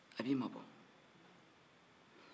a b'i mabɔ